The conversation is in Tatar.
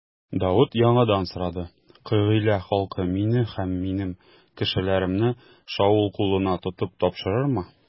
Давыт яңадан сорады: Кыгыйлә халкы мине һәм минем кешеләремне Шаул кулына тотып тапшырырмы?